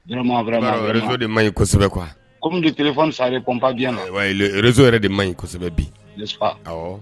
Vraiment vraiment vraiment . I b'a dɔn reseau yɛrɛ de maɲi kosɛbɛ quoi . Komi le téléphone ça répond pas bien la wayi réseau yɛrɛ de maɲi kosɛbɛ bi n'est-ce pas? Awɔ